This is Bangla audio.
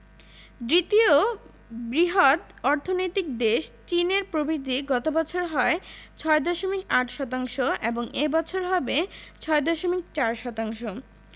দ্বিতীয় বৃহৎ অর্থনৈতিক দেশ চীনের প্রবৃদ্ধি গত বছর হয় ৬.৮ শতাংশ এবং এ বছর হবে ৬.৪ শতাংশ